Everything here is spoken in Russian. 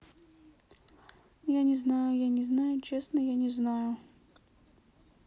я не знаю я не знаю честно не знаю